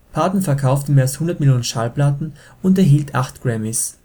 Parton verkaufte mehr als 100 Millionen Schallplatten und erhielt acht Grammys